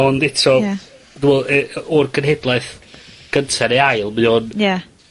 Ond eto... Ie. yy o'r genhedlaeth gynta neu ail mae o'n... Ie.